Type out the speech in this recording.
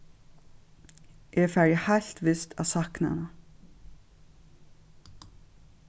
eg fari heilt vist at sakna hana